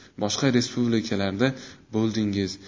boshqa respublikalarda bo'ldingiz